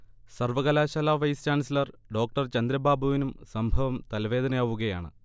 സർവ്വകലാശാല vice chancellor Dr. ചന്ദ്രബാബുവിനും സംഭവം തലവേദനയാവുകയാണ്